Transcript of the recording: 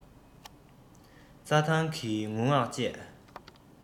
རྩ ཐང གི ངུ ངག བཅས